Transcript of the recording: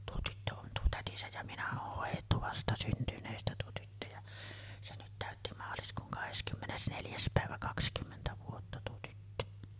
tuo tyttö on tuo tätinsä ja minä on hoidettu vastasyntyneestä tuo tyttö ja se nyt täytti maaliskuun kahdeskymmenes neljäs päivä kaksikymmentä vuotta tuo tyttö